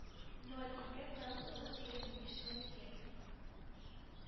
Ноль ике, кырык тугыз, егерме биш, ноль ике